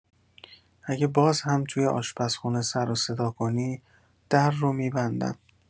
اگه باز هم توی آشپزخونه سروصدا کنی، در رو می‌بندم.